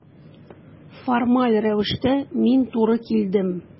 Формаль рәвештә мин туры килдем.